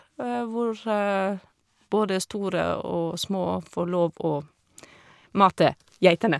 Hvor både store og små får lov å mate geitene.